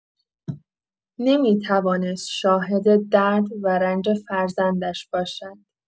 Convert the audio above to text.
نمی‌توانست شاهد درد و رنج فرزندش باشد.